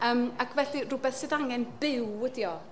Yym ac felly, rywbeth sydd angen byw ydy o.